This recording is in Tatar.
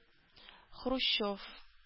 Хрущев